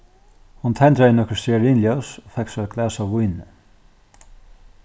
hon tendraði nøkur stearinljós og fekk sær eitt glas av víni